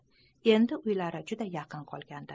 endi uylari juda yaqin qolgan edi